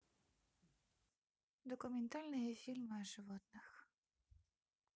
документальные фильмы о животных